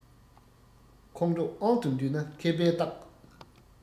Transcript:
ཁོང ཁྲོ དབང དུ འདུས ན མཁས པའི རྟགས